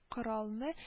Коралны